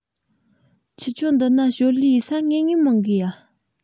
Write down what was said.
ཁྱོད ཆོ འདི ན ཞོར ལས ཡེད ས ངེས ངེས མང གི ཡ